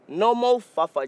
n'aw ma a fa faga